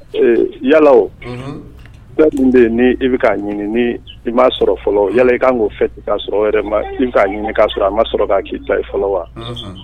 Yala min bɛ yen i bɛ ɲini ni i'a sɔrɔ fɔlɔ yala ka kan' fɛ' sɔrɔ ma i ɲini k'a sɔrɔ a ma sɔrɔ k''i ta fɔlɔ wa